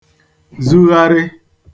zugharị